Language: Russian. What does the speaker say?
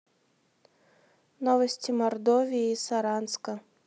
новости мордовии и саранска